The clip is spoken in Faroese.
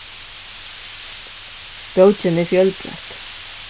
bókin er fjølbroytt